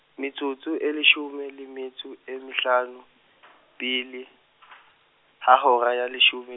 metsotso e leshome le metso e mehlano , pele, ha hora ya leshome.